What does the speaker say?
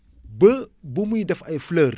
ba ba muy def ay fleurs